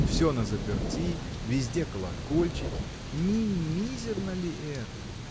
Все назаперти, везде колокольчики: не мизерно ли это?